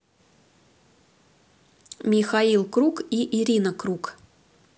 михаил круг и ирина круг